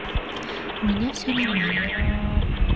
у меня все нормально